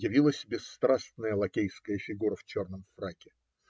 Явилась бесстрастная лакейская фигура в черном фраке.